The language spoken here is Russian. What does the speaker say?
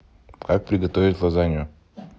как приготовить лазанью